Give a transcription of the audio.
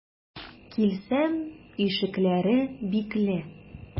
Килсәм, ишекләре бикле.